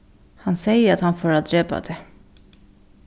hann segði at hann fór at drepa teg